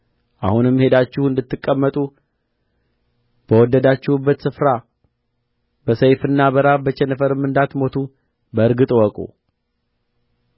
አሁንም ሄዳችሁ እንድትቀመጡ በወደዳችሁበት ስፍራ በሰይፍና በራብ በቸነፈርም እንድትሞቱ በእርግጥ እወቁ